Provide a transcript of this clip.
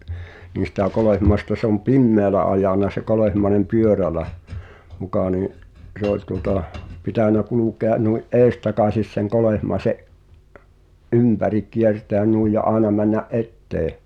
niin sitä Kolehmaista se on pimeällä ajanut se Kolehmainen pyörällä muka niin se oli tuota pitänyt kulkea noin edestakaisin sen Kolehmaisen ympäri kiertäen noin ja aina mennä eteen